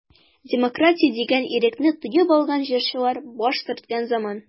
Демократия дигән ирекне тоеп алган җырчылар баш төрткән заман.